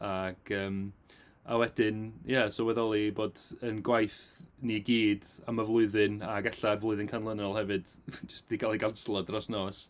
Ac yym a wedyn ia sylweddoli bod ein gwaith ni i gyd am y flwyddyn, ac ella'r flwyddyn canlynol hefyd jyst 'di gael ei ganslo dros nos.